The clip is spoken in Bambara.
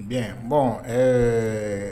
Den bɔn ɛɛ